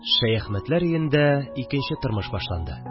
Шәяхмәтләр өендә икенче тормыш башланды